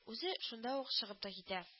Үзе шунда ук чыгып та китә